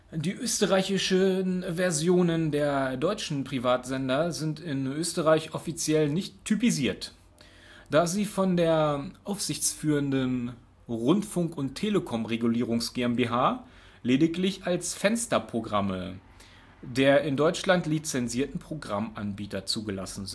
Die österreichischen Versionen der deutschen Privatsender sind in Österreich offiziell nicht typisiert, da sie von der aufsichtsführenden Rundfunk und Telekom Regulierungs-GmbH lediglich als Fensterprogramme der in Deutschland lizenzierten Programmanbieter zugelassen